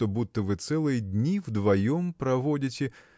что будто вы целые дни вдвоем проводите.